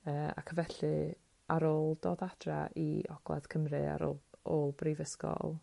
Yy ac felly ar ôl dod adra i Ogladd Cymru ar ôl... ôl brifysgol